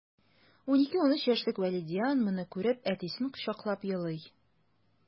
12-13 яшьлек вәлидиан моны күреп, әтисен кочаклап елый...